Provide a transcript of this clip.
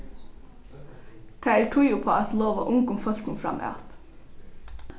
tað er tíð uppá at lova ungum fólkum framat